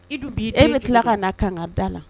Idu bi e bɛ tila ka naa ka kanga da la